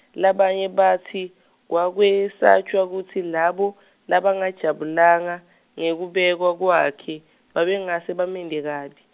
labanye batsi, kwakwesatjwa kutsi, labo labangajabulanga, ngekubekwa kwakhe, babengase bamente kabi.